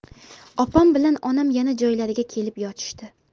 opam bilan onam yana joylariga kelib yotishdi